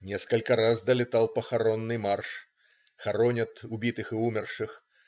Несколько раз долетал похоронный марш. Хоронят убитых и умерших.